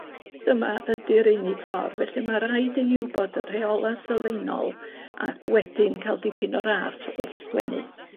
dyma ydi'r unig ffor, felly ma' raid i ni wbod y rheola' sylfaenol ac wedyn ca'l dipyn o ras wrth sgwennu.